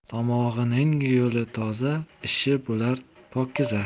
tomog'ining yo'li toza ishi bo'lar pokiza